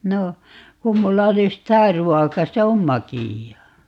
no kun minulla olisi tämä ruoka se on makeaa